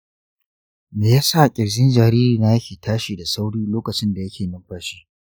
me ya sa ƙirjin jaririna yake tashi da sauri lokacin da yake numfashi?